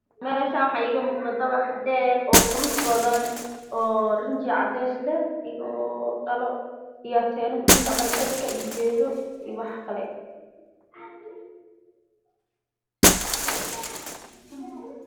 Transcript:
Waa dabaq dheer oo cadees ah